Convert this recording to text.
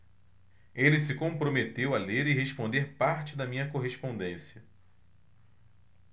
ele se comprometeu a ler e responder parte da minha correspondência